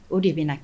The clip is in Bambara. O de bɛna kɛ